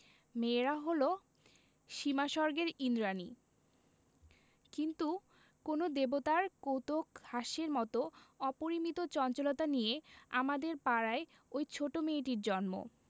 মেয়েরা হল সীমাস্বর্গের ঈন্দ্রাণী কিন্তু কোন দেবতার কৌতূকহাস্যের মত অপরিমিত চঞ্চলতা নিয়ে আমাদের পাড়ায় ঐ ছোট মেয়েটির জন্ম